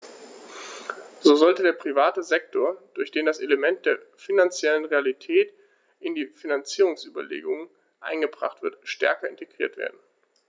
So sollte der private Sektor, durch den das Element der finanziellen Realität in die Finanzierungsüberlegungen eingebracht wird, stärker integriert werden.